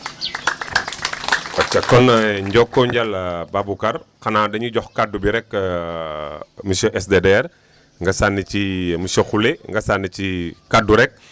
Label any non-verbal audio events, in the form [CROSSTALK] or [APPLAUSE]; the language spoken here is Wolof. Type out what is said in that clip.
[APPLAUSE] ayca kon [HESITATION] Baboucar xanaa dañuy jox kaddu bi rek [HESITATION] monsieur SDDR nga sànni ci [HESITATION] monsieur Khoule nga sànni ci kaddu rek